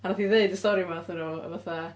A wnaeth hi ddeud y stori yma a wrthyn nhw, a fatha...